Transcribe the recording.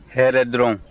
hɛrɛ dɔrɔn